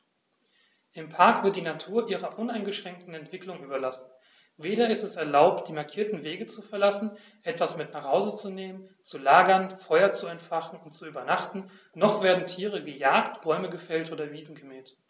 Im Park wird die Natur ihrer uneingeschränkten Entwicklung überlassen; weder ist es erlaubt, die markierten Wege zu verlassen, etwas mit nach Hause zu nehmen, zu lagern, Feuer zu entfachen und zu übernachten, noch werden Tiere gejagt, Bäume gefällt oder Wiesen gemäht.